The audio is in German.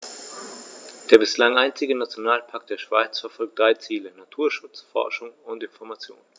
Der bislang einzige Nationalpark der Schweiz verfolgt drei Ziele: Naturschutz, Forschung und Information.